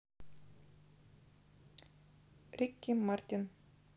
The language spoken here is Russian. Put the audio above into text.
ricky martin